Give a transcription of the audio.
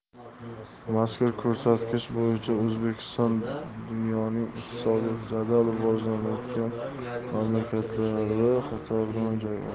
mazkur ko'rsatkich bo'yicha o'zbekiston dunyoning iqtisodiyoti jadal rivojlanayotgan mamlakatlari qatoridan joy oldi